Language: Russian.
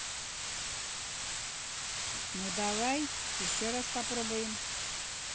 ну давай еще раз попробуем